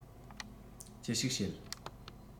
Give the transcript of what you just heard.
ཅི ཞིག བྱེད